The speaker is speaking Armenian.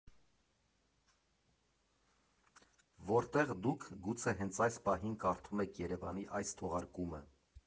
Որտեղ դուք, գուցե, հենց այս պահին կարդում եք ԵՐԵՎԱՆի այս թողարկումը։